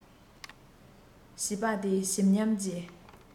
བྱིས པ དེའི ཞིམ ཉམས ཀྱི